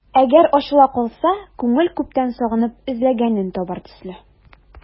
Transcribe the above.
Әгәр ачыла калса, күңел күптән сагынып эзләгәнен табар төсле...